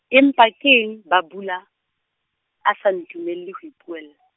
empa keng Bhabula, a sa ntumella ho ipuella.